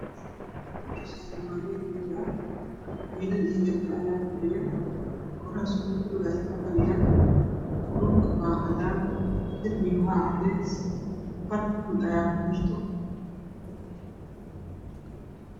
Meeshaan waa meel hool ah wiilal iyo gabdho ayaa fadhiya kuraas buluug ah ay kufadhiyaan. Dhulkana waa cadaan. Darbiguna waa cadeys qar bulug ah ayaa kujirto.